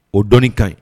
O dɔɔnin ka ɲi